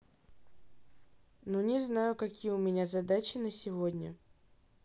ну не знаю какие у меня задачи на сегодня